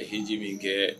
Hiji bɛ kɛ